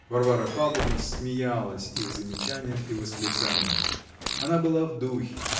Варвара Павловна смеялась их замечаниям и восклицаниям. Она была в духе